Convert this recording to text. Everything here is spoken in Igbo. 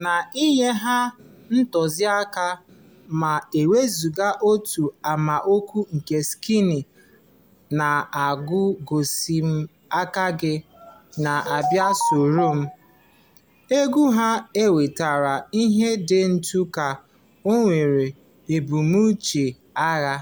Na-enyeghị ntụziaka (ma e wezụga otu amaokwu nke Skinny na-agụ "gosi m aka gị" na "bịa soro m"), egwu ahụ nwetara ihe dịtụ ka o nwere ebumnuche agha.